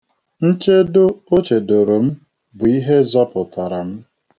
Nchedo o chedoro m bụ ihe zọpụtara m.